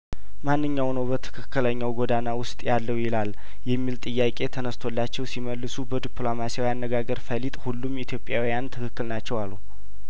ማንኛው ነው በትክክለኛው ጐዳና ውስጥ ያለው ይላል የሚል ጥያቄ ተነስቶላቸው ሲመልሱ በዲፕሎማሲያዊ አነጋገር ፈሊጥ ሁሉም ኢትዮጵያዊያን ትክክል ናቸው አሉ